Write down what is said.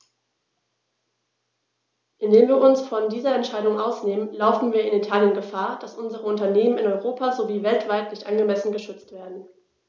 Indem wir uns von dieser Entscheidung ausnehmen, laufen wir in Italien Gefahr, dass unsere Unternehmen in Europa sowie weltweit nicht angemessen geschützt werden.